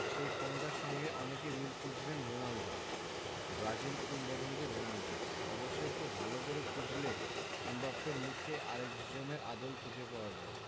সেই ক্ষমতার সঙ্গে অনেকে মিল খুঁজবেন রোনালদোর ব্রাজিল কিংবদন্তি রোনালদো অবশ্য একটু ভালো করে খুঁজলে এমবাপ্পের মুখে আরেকজনের আদল খুঁজে পাওয়া যায়